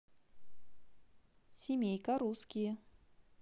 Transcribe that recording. семейка русские